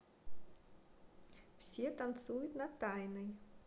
все танцуют на тайной